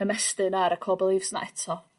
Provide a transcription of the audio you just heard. ymestyn ar y core beliefs 'na eto.